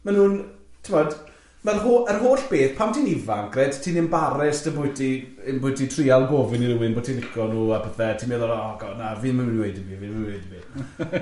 Ma' nhw'n, t'mod, ma'r ho- yr holl beth, pan ti'n ifanc reit, ti'n embarrased ambwyty, ambwyty trial gofyn i rywun bo' ti'n lico nhw a pethe, ti'n meddwl, oh God, na, fi ddim yn mynd i weud i fi, fi ddim yn mynd i weud 'imbyd